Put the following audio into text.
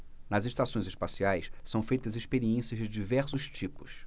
nas estações espaciais são feitas experiências de diversos tipos